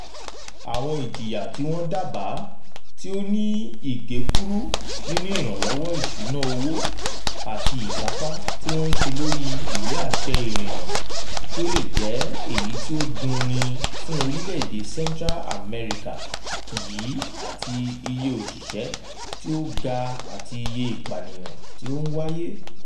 Àwọn ìjìyà tí wọ́n dábàá, tí ó ní ìgékúrú nínú ìrànlọ́wọ́ ìṣúnná owó àti ìkápá tí wọ́n ń ṣe lórí ìwé àṣẹ ìrìnnà, tí ò lè jẹ́ èyí tí ó dùn ni fún orílẹ̀-èdè Central America yìí àti iye òṣìṣẹ́ tí ó ga àti iye ìpànìyàn tí ó ń wáyé.